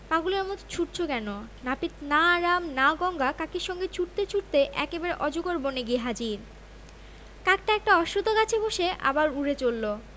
পাগলের মতো ছুটছ কেন নাপিত না রাম না গঙ্গা কাকের সঙ্গে ছুটতে ছুটতে একেবারে অজগর বনে গিয়ে হাজির কাকটা একটা অশ্বখ গাছে বসে আবার উড়ে চলল